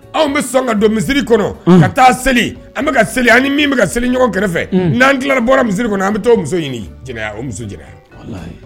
Anw bɛ sɔn ka don misiri kɔnɔ unhun ka taa seli an bɛ ka seli an ni min bɛ ka seli ɲɔgɔn kɛrɛfɛ unhun n'an tilala bɔra misiri kɔnɔ an bɛ t'o muso ɲini jɛnɛya o muso jɛnɛya walahi